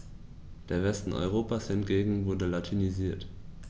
Der Westen Europas hingegen wurde latinisiert.